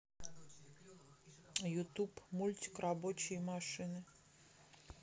ютуб мультик рабочие машины